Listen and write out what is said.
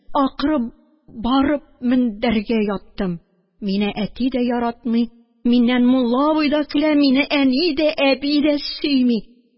Акырып барып, мендәргә яттым, мине әти дә яратмый, миннән мулла абый да көлә, мине әни дә, әби дә сөйми